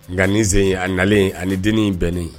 Nka nin sen in a nalen a ni dennin in bɛnnen